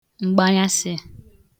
m̀gbanyasị̀